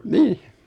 niin